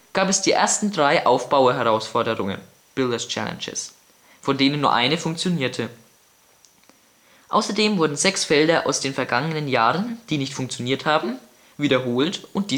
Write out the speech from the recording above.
gab es die ersten drei Aufbauerherausforderungen („ Builder Challenges “), von denen nur eine funktionierte. Außerdem wurden sechs Felder aus den vergangenen Jahren die nicht funktioniert haben wiederholt und